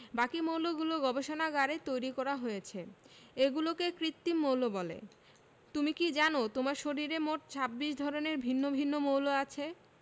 বাকি মৌলগুলো গবেষণাগারে তৈরি করা হয়েছে এগুলোকে কৃত্রিম মৌল বলে তুমি কি জানো তোমার শরীরে মোট ২৬ ধরনের ভিন্ন ভিন্ন মৌল আছে